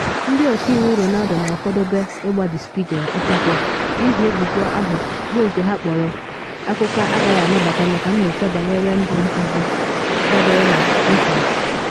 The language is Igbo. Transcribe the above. Ndị ọka iwu Ronaldo na-akwadobe ịgba Der Spiegel akwụkwọ n’ihi ebubo ahụ, bụ nke ha kpọrọ “akụkọ agaghị anabata maka nyocha banyere ndụ nzuzo,” dabere na Reuters.